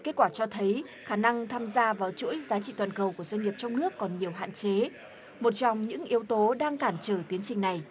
kết quả cho thấy khả năng tham gia vào chuỗi giá trị toàn cầu của doanh nghiệp trong nước còn nhiều hạn chế một trong những yếu tố đang cản trở tiến trình này